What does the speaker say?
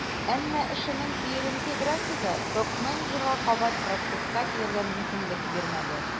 Әмма эшенең киеренке графигы топ-менеджерга кабат процесска килергә мөмкинлек бирмәде.